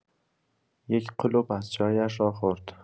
یک قلپ از چایش را خورد.